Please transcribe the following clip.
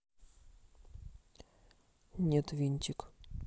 нет винтик